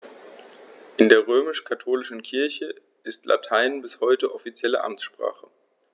In der römisch-katholischen Kirche ist Latein bis heute offizielle Amtssprache.